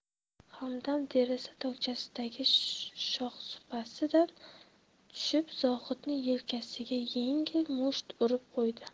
hamdam deraza tokchasidagi shohsupasi dan tushib zohidni yelkasiga yengil musht urib qo'ydi